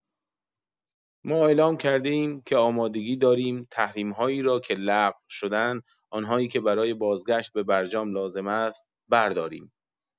ما اعلام کرده‌ایم که آمادگی داریم تحریم‌هایی را که لغو شدن آن‌هایی که برای بازگشت به برجام لازم است، برداریم.